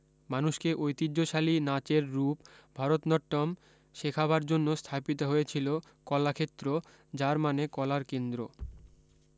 মানুষকে ঐতিহ্যশালী নাচের রূপ ভরতনাট্যম শেখাবার জন্য স্থাপিত হয়েছিলো কলাক্ষেত্র যার মানে কলার কেন্দ্র